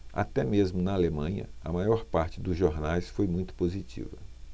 até mesmo na alemanha a maior parte dos jornais foi muito positiva